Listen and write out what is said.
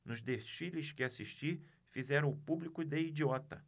nos desfiles que assisti fizeram o público de idiota